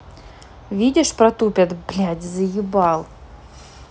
видишь протупят блядь заебал